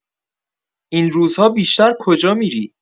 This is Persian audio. این روزها بیشتر کجا می‌ری؟